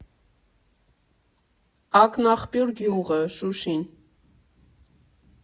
Ակնաղբյուր գյուղը, Շուշին…